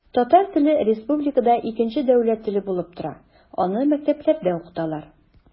Татар теле республикада икенче дәүләт теле булып тора, аны мәктәпләрдә укыталар.